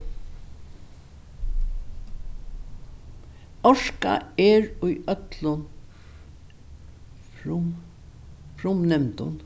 orka er í øllum